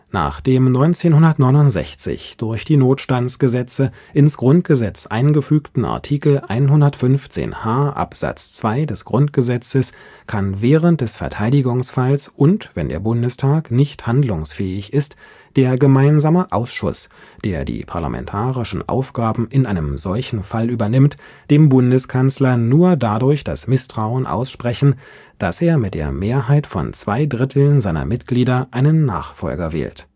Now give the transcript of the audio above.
Nach dem 1969 durch die Notstandsgesetze ins Grundgesetz eingefügten Artikel 115 h Absatz 2 des Grundgesetzes kann während des Verteidigungsfalls und wenn der Bundestag nicht handlungsfähig ist, der Gemeinsame Ausschuss, der die parlamentarischen Aufgaben in einem solchen Fall übernimmt, dem Bundeskanzler nur dadurch das Misstrauen aussprechen, dass er mit der Mehrheit von zwei Dritteln seiner Mitglieder einen Nachfolger wählt